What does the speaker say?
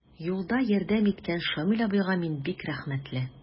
Юлда ярдәм иткән Шамил абыйга мин бик рәхмәтле.